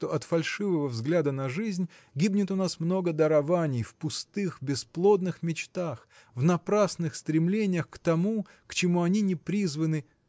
что от фальшивого взгляда на жизнь гибнет у нас много дарований в пустых бесплодных мечтах в напрасных стремлениях к тому к чему они не призваны.